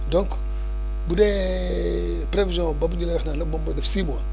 donc bu dee prévisions boobu ñu lay wax naan la moom mooy def six mois